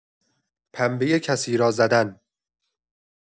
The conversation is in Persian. پنبه کسی را زدن